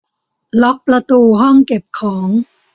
ล็อกประตูห้องเก็บของ